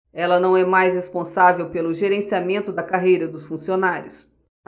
ela não é mais responsável pelo gerenciamento da carreira dos funcionários